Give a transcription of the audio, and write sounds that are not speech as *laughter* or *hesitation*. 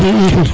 *hesitation* *hesitation*